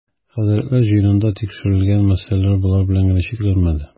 Хәзрәтләр җыенында тикшерел-гән мәсьәләләр болар белән генә чикләнмәде.